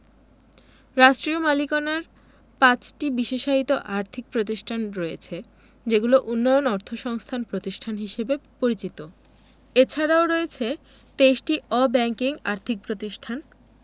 রাষ্ট্রীয় মালিকানার ৫টি বিশেষায়িত আর্থিক প্রতিষ্ঠান রয়েছে যেগুলো উন্নয়ন অর্থসংস্থান প্রতিষ্ঠান হিসেবে পরিচিত এছাড়াও রয়েছে ২৩টি অব্যাংকিং আর্থিক প্রতিষ্ঠান